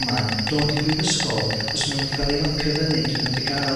'na dod i brifysgol os ma' n'w 'di ga'l i lapio fyny 'di nw'm 'di ga'l